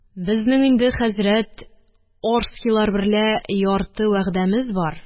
Безнең инде, хәзрәт, Орскилар берлә ярты вәгьдәмез бар.